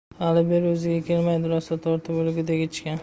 hali beri o'ziga kelmaydi rosa tortib o'lgudek ichgan